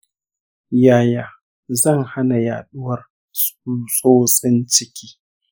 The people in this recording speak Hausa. yaya zan hana yaɗuwar tsutsotsin ciki?